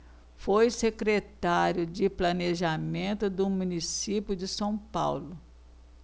foi secretário de planejamento do município de são paulo